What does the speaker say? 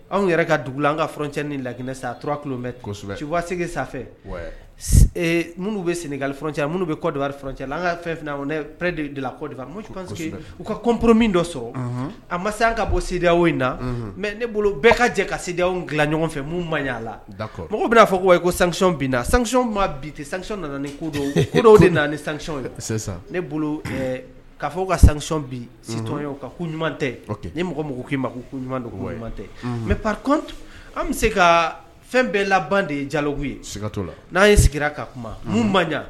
Anw yɛrɛ ka dugu la an ka fc ni laginɛ sa tura kulobɛsɔ cifasegin sanfɛ minnu bɛ senka fcya minnu bɛ kɔɔri fc an ka fɛn de kɔ u ka kɔnporo min dɔ sɔrɔ a ma an ka bɔ sidadiwo in na mɛ ne bolo bɛɛ ka jɛ kadi dilan ɲɔgɔnfɛ minnu ma la mɔgɔ bɛna'a fɔ ko yen ko sansɔn bi na sansɔn ma bi san nana kodo h de ni san ne ka fɔ ka sansɔn bi siɔn ɲuman tɛ ni mɔgɔ mako k'i ma ɲuman ɲuman mɛ pa an bɛ se ka fɛn bɛɛ laban de ye jaloku ye sigaka n'an ye sigira ka kuma man